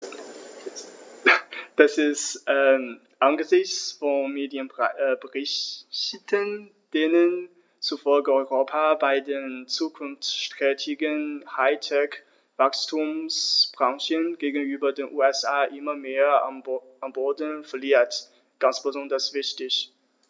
Das ist angesichts von Medienberichten, denen zufolge Europa bei den zukunftsträchtigen High-Tech-Wachstumsbranchen gegenüber den USA immer mehr an Boden verliert, ganz besonders wichtig.